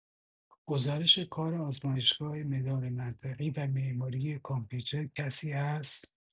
گزارش کار آزمایشگاه مدارمنطقی و معماری کامپیوتر کسی هست؟